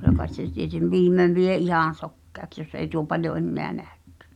kyllä kai se tieten viimein vie ihan sokeaksi jos ei tuo paljon enää näekään